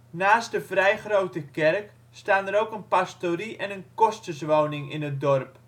Naast de vrij grote kerk staan er ook een pastorie en een kosterswoning in het dorp